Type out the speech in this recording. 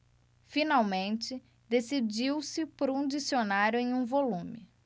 finalmente decidiu-se por um dicionário em um volume